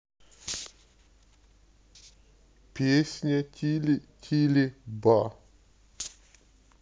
песня тили тили ба